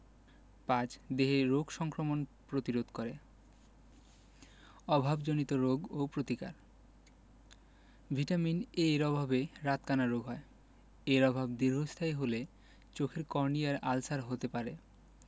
৫. দেহে রোগ সংক্রমণ প্রতিরোধ করে অভাবজনিত রোগ ও প্রতিকার ভিটামিন A এর অভাবে রাতকানা রোগ হয় এর অভাব দীর্ঘস্থায়ী হলে চোখের কর্নিয়ায় আলসার হতে পারে